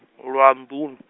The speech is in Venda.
lwa ndun- .